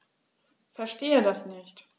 Verstehe das nicht.